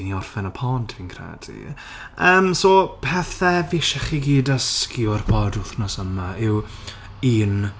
i ni orffen y pod fi'n credu. Yym so pethau fi isie chi gyd dysgu o'r pod wythnos yma yw un...